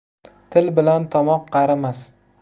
til bilan tomoq qarimas